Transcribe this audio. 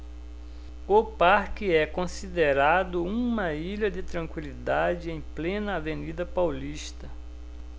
o parque é considerado uma ilha de tranquilidade em plena avenida paulista